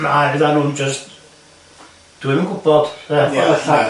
Na oeddan nhw'n jys... dwi'm yn gwbod y ffordd allan.